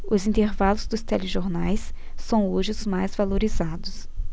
os intervalos dos telejornais são hoje os mais valorizados